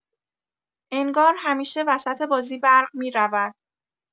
انگار همیشه وسط بازی برق می‌رود.